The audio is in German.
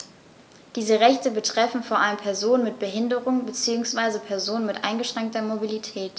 Diese Rechte betreffen vor allem Personen mit Behinderung beziehungsweise Personen mit eingeschränkter Mobilität.